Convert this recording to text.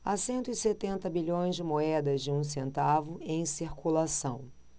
há cento e setenta bilhões de moedas de um centavo em circulação